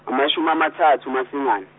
amashumi amathathu kuMasingane.